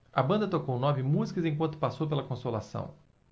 a banda tocou nove músicas enquanto passou pela consolação